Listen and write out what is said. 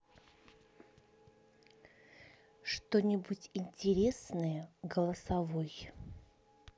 что нибудь интересное голосовой